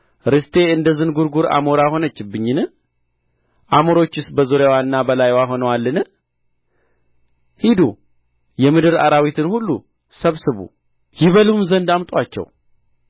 ርስቴ እንደ ዝንጕርጕር አሞራ ሆነችብኝን አሞሮችስ በዙሪያዋና በላይዋ ሆነዋልን ሂዱ የምድር አራዊትን ሁሉ ሰብስቡ ይበሉም ዘንድ አምጡአቸው